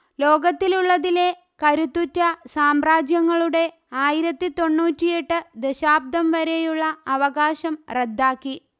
ലോകത്തിലുള്ളതിലെ കരുത്തുറ്റ സാമ്രാജ്യങ്ങളുടെ ആയിരത്തിതൊണ്ണൂറ്റിയെട്ട് ദശാബ്ദം വരെയുള്ള അവകാശം റദ്ദാക്കി